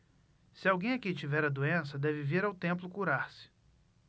se alguém aqui tiver a doença deve vir ao templo curar-se